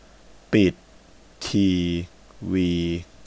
ปิดทีวี